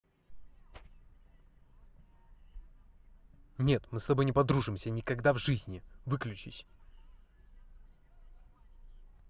нет мы с тобой не подружимся никогда в жизни выключись